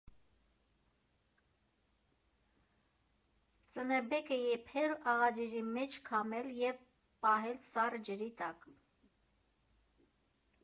Ծնեբեկը եփել աղաջրի մեջ, քամել և պահել սառը ջրի տակ։